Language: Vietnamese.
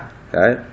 đấy